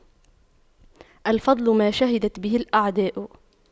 الفضل ما شهدت به الأعداء